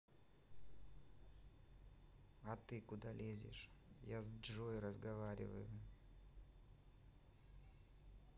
а ты куда лезешь я с джой разговариваю